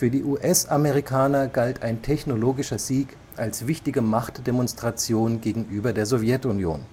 die US-Amerikaner galt ein technologischer Sieg als wichtige Machtdemonstration gegenüber der Sowjetunion